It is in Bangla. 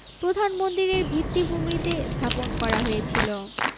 প্রধান মন্দিরের ভিত্তিভূমিতে স্থাপন করা হয়েছিল